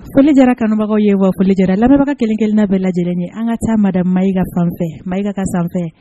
Foli diyara kanubagaw ye wa foli diyara lamɛbaga kelen-kelenna bɛɛ lajɛlen ye an ŋa taa madame Maiga fanfɛ Maiga ka sanfɛ